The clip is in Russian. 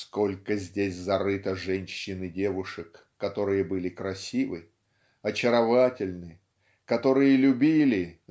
"сколько здесь зарыто женщин и девушек которые были красивы очаровательны которые любили